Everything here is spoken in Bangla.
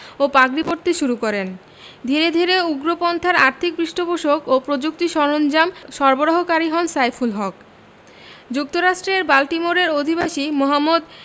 ও পাগড়ি পরতে শুরু করেন ধীরে ধীরে উগ্রপন্থার আর্থিক পৃষ্ঠপোষক ও প্রযুক্তি সরঞ্জাম সরবরাহকারী হন সাইফুল হক যুক্তরাষ্ট্রের বাল্টিমোরের অধিবাসী মোহাম্মদ